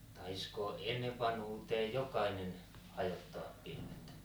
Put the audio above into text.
taisiko ennen vanhuuteen jokainen hajottaa pilvet